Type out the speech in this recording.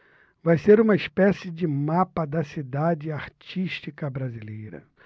vai ser uma espécie de mapa da cidade artística brasileira